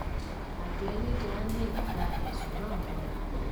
Àjọ Elétò (INEC) gba ẹ̀sùn náà mọ́ra.